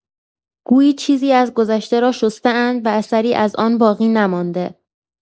گویی چیزی از گذشته را شسته‌اند و اثری از آن باقی نمانده.